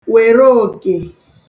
wère òkè